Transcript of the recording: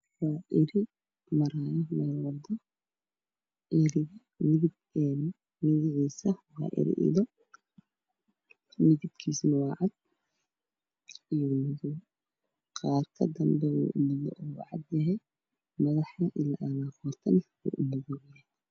waa ido ma rayo meel wado ah ariga magaciisa waa ido midabkiisana waa cad Iyo madow qaarka danbe wuu u cadyahay madaxa iyo qoortana wuu ucad yahay